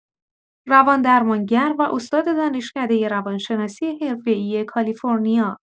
روان‌درمانگر و استاد دانشکدۀ روان‌شناسی حرفه‌ای کالیفرنیا